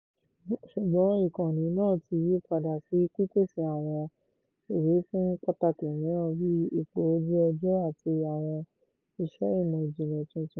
Ṣùgbọ́n ìkànnì náà ti yí padà sí pípèsè àwọn ìwífún pàtàkì mìíràn, bíi ipò ojú-ọjọ́ àti àwọn ìṣe ìmọ̀-ìjìnlẹ̀ tuntun.